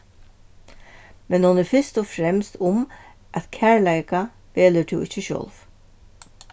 men hon er fyrst og fremst um at kærleika velur tú ikki sjálv